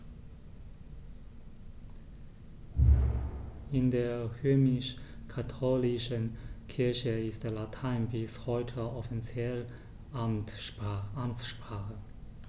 In der römisch-katholischen Kirche ist Latein bis heute offizielle Amtssprache.